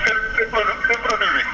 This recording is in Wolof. seen seen pro seen produit bi